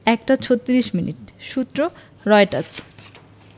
১ টা ৩৬ মিনিট সূত্রঃ রয়টাচ